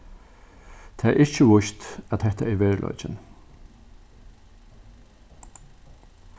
tað er ikki víst at hetta er veruleikin